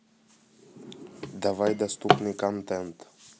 давай доступный контент